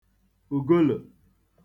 ùgolò